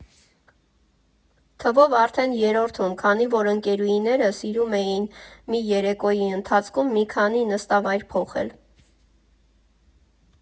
Թվով արդեն երրորդում, քանի որ ընկերուհիները սիրում էին մի երեկոյի ընթացքում մի քանի նստավայր փոխել։